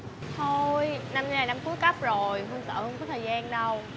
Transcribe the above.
thôi năm nay là năm cuối cấp rồi hương sợ hương không có thời gian đâu